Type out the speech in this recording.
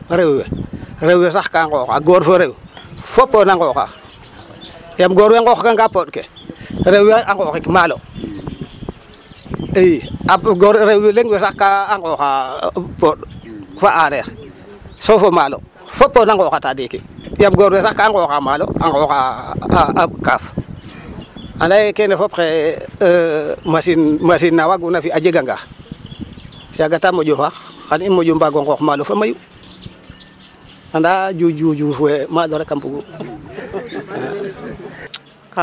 Rew we, rew we sax gaa nqooxaa goor fo rew fop o naa nqooxaa yaam goor we nqooxkanga poɗ ke rew we a nqooxik maalo i a goor we rew we sax ka a nqooxaa poɗ fa a aareer fo fo maalo fop o na nqooxata ndiki yqam goor we sax gaa nqooxaa maalo a nqooxaa kaaf a laya yee kene fop xay machine machine na waagoona fi' a jeganga yaaga ta moƴo faax xan i moƴo mbaag o nqoox maalo fa mayu anda Diou dioudiouf we maalo rek a mbugu.